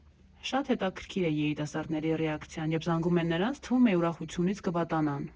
Շատ հետաքրքիր է երիտասարդների ռեակցիան, երբ զանգում եմ նրանց, թվում է՝ ուրախությունից կվատանան։